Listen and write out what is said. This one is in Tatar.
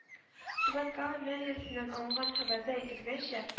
Түбән Кама мэриясеннән алынган хәбәрдә әйтелгәнчә